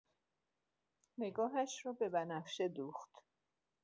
نگاهش را به بنفشه دوخت.